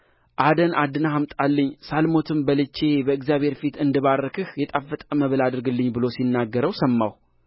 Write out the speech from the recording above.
አደን አድነህ አምጣልኝ ሳልሞትም በልቼ በእግዚአብሔር ፊት እንድባርክህ የጣፈጠ መብል አድርግልኝ ብሎ ሲነግረው ሰማሁ